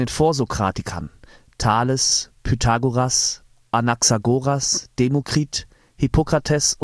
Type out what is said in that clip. Vorsokratiker: Thales, Pythagoras, Anaxagoras, Demokrit, Hippokrates